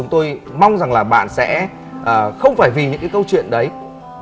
chúng tôi mong rằng là bạn sẽ ờ không phải vì những câu chuyện đấy